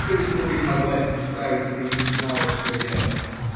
Прислуга не могла с ним справиться и не знала, что делать.